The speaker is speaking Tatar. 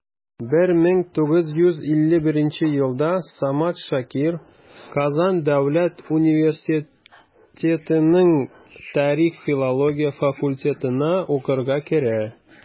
1951 елда самат шакир казан дәүләт университетының тарих-филология факультетына укырга керә.